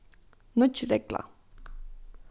nýggj regla